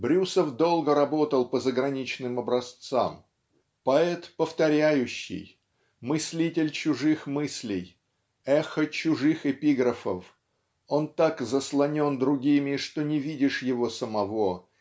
Брюсов долго работал по заграничным образцам. Поэт повторяющий мыслитель чужих мыслей эхо чужих эпиграфов он так заслонен другими что не видишь его самого